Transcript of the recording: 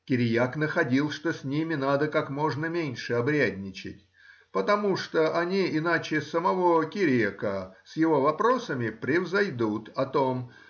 Кириак находил, что с ними надо как можно меньше обрядничать, потому что они иначе самого Кириака с его вопросами превзойдут о том